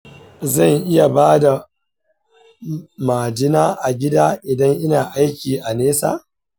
zan iya ba da majina a gida idan ina aiki a nesa?